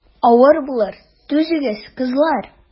Авыр булыр, түзегез, кызлар.